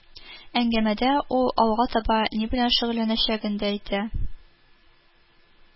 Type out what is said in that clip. Әңгәмәдә ул алга таба ни белән шөгыльләнәчәген дә әйтә